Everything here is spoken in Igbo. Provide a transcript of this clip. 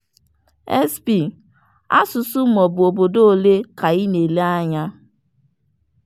SP: Asụsụ maọbụ obodo ole ka ị na-ele anya?